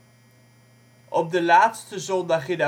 Op de laatste zondag in